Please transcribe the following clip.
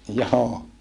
joo